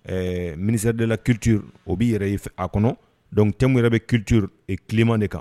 Ɛɛ Ministère de la culture o bi'i yɛr ye a kɔnɔ donc thème yɛrɛ bɛ culture ni climat de kan.